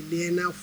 Diɲɛ n'a fɔ